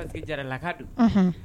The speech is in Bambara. Parce que Jarala ka don! Unhun!